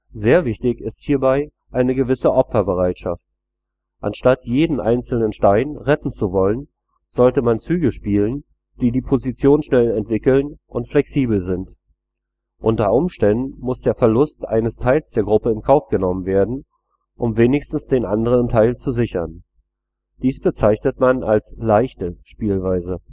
Sehr wichtig ist hierbei eine gewisse Opferbereitschaft. Anstatt jeden einzelnen Stein retten zu wollen, sollte man Züge spielen, die die Position schnell entwickeln und flexibel sind. Unter Umständen muss der Verlust eines Teils der Gruppe in Kauf genommen werden, um wenigstens den anderen Teil zu sichern. Dies bezeichnet man als „ leichte “Spielweise